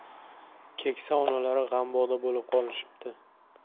keksa onalari g'amboda bo'lib qolishibdi